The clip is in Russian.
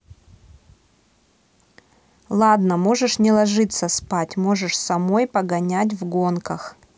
ладно можешь не ложиться спать можешь самой погонять в гонках